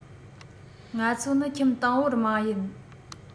ང ཚོ ནི ཁྱིམ དང པོར མ ཡིན